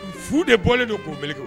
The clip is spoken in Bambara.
Fuu de bɔlen don k'o meleke